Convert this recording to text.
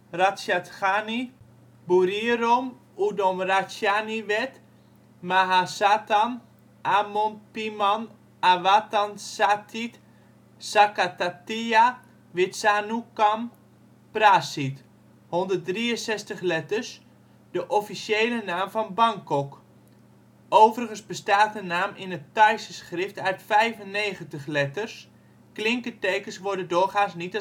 Ratchathani Burirom Udomratchaniwet Mahasathan Amon Piman Awatan Sathit Sakkathattiya Witsanukam Prasit (163 letters), de officiële naam van Bangkok. Overigens bestaat de naam in het Thaise schrift uit 95 letters (klinkertekens worden doorgaans niet